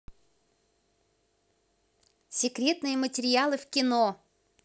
секретные материалы в кино